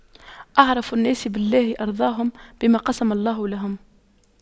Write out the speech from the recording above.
أعرف الناس بالله أرضاهم بما قسم الله له